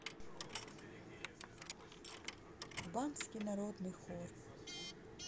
кубанский народный хор